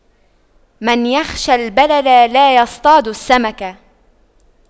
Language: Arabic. من يخشى البلل لا يصطاد السمك